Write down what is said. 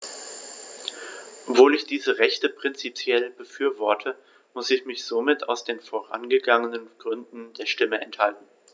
Obwohl ich diese Rechte prinzipiell befürworte, musste ich mich somit aus den vorgenannten Gründen der Stimme enthalten.